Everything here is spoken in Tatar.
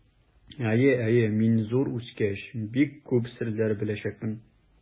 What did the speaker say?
Әйе, әйе, мин, зур үскәч, бик күп серләр беләчәкмен.